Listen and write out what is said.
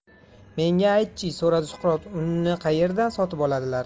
menga ayt chi so'radi suqrot unni qaerdan sotib oladilar